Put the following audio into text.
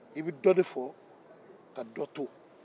i bɛ dɔ de fɔ ka dɔ to